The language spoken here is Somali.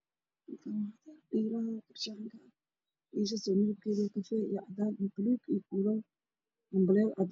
Waa uhel kaasoo la isticmaali jiray dadkii hore waana weel dhunbil ah oo ka sameysan geed oo saaran meel jaalle ah